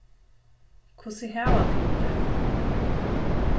hvussu hava tygum tað